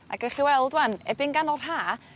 A gewch chi weld 'wan erbyn ganol 'r Ha